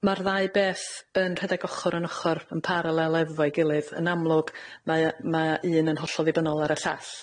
Ma'r ddau beth yn rhedeg ochor yn ochor, yn paralel efo'i gilydd. Yn amlwg, mae y- ma' un yn hollol ddibynnol ar y llall.